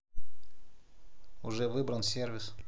уже выбран сервис